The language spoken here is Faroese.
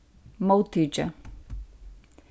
móttikið